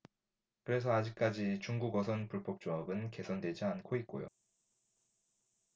그래서 아직까지 중국어선 불법조업은 개선되지 않고 있고요